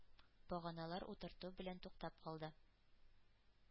Баганалар утырту белән туктап калды.